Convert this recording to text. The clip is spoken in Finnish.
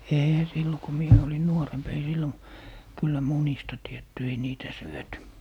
eihän silloin kun minä olin nuorempi ei silloin kyllä munista tiedetty ei niitä syöty